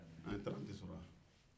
an ye tiranti sɔrɔ aa